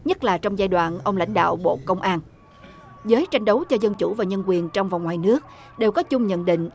nhất là trong giai đoạn ông lãnh đạo bộ công an giới tranh đấu cho dân chủ và nhân quyền trong và ngoài nước đều có chung nhận định